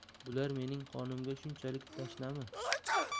bular mening qonimga shunchalik tashnami